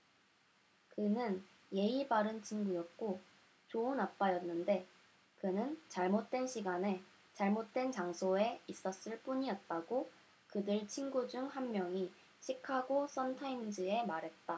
그는 예의 바른 친구였고 좋은 아빠였는데 그는 잘못된 시간에 잘못된 장소에 있었을 뿐이었다고 그들 친구 중 한 명이 시카고 선타임스에 말했다